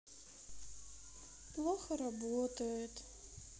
плохо работает